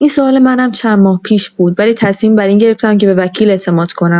این سوال منم چند ماه پیش بود، ولی تصمیم بر این گرفتم که به وکیل اعتماد کنم.